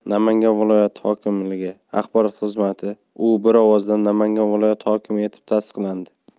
namangan viloyat hokimligi axborot xizmatiu bir ovozdan namangan viloyati hokimi etib tasdiqlandi